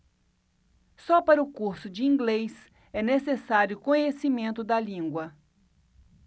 só para o curso de inglês é necessário conhecimento da língua